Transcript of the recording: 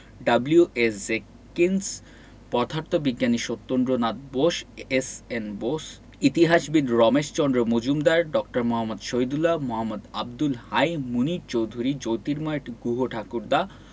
W A Jenkins পদার্থবিজ্ঞানী Satyendranath Bose S N Bose ইতিহাসবিদ রমেশচন্দ্র মজুমদার ড. মুহাম্মদ শহীদুল্লাহ মোঃ আবদুল হাই মুনির চৌধুরী জ্যোতির্ময় গুহঠাকুদা